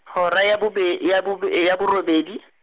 hora ya bobe, ya bob-, e ya borobedi.